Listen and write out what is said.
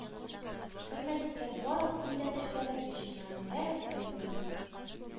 Хөрмәт иткән барлык милләттәшләребез өчен мәгърифәт, гыйлем